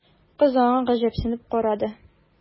Кыз аңа гаҗәпсенеп карады.